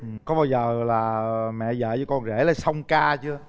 có bao giờ là mẹ dợ với con rể là song ca chưa